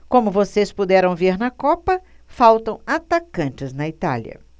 como vocês puderam ver na copa faltam atacantes na itália